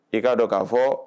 I k'a dɔn k'a fɔ